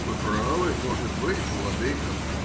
— Вы правы может быть, владыко.